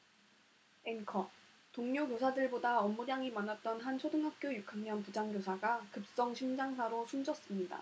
앵커 동료 교사들보다 업무량이 많았던 한 초등학교 육 학년 부장교사가 급성심장사로 숨졌습니다